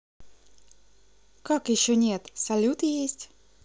как еще нет салют есть